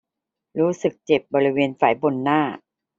รู้สึกเจ็บบริเวณไฝบนหน้า